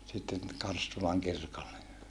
sitten Karstulan kirkolle